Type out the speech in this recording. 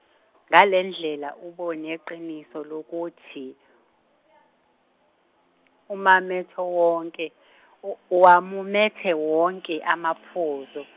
ngalendlela uba neqiniso lokuthi , umamethe- wonke- u- uwamumethe wonke amaphuzu.